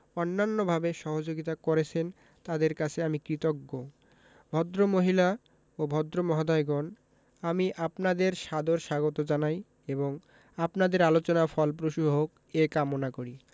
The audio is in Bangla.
অন্যান্যভাবে সহযোগিতা করেছেন তাঁদের কাছে আমি কৃতজ্ঞ ভদ্রমহিলা ও মহোদয়গণ আমি আপনাদের সাদর স্বাগত জানাই এবং আপনাদের আলোচনা ফলপ্রসূ হোক এ কামনা করি